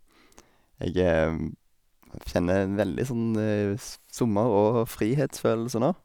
Jeg kjenner veldig sånn sf sommer- og frihetsfølelse nå.